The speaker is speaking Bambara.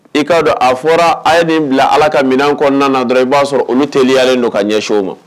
I k'a dɔn a fɔra a ye nin bila ala ka minɛn kɔnɔna na dɔrɔn i b'a sɔrɔ olu teliyalen don kaa ɲɛyw ma